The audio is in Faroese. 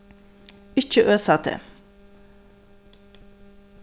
ikki øsa teg